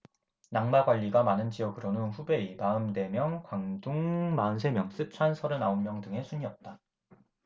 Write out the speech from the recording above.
낙마 관리가 많은 지역으로는 후베이 마흔 네 명 광둥 마흔 세 명 쓰촨 서른 아홉 명 등의 순이었다